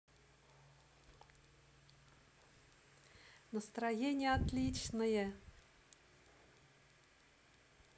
настроение отличное